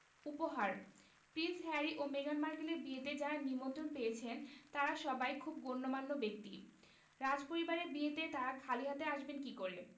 উপহার prince Harry ও মেগান মার্কেলের বিয়েতে যাঁরা নিমন্ত্রণ পেয়েছেন তাঁরা সবাই খুব গণ্যমান্য ব্যক্তি রাজপরিবারের বিয়েতে তাঁরা খালি হাতে আসেন কী করে